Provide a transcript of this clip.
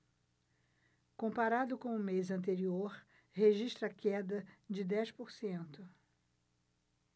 comparado com o mês anterior registra queda de dez por cento